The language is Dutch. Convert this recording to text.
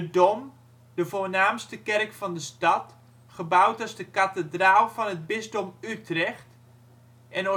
Dom, de voornaamste kerk van de stad, gebouwd als de kathedraal van het bisdom Utrecht en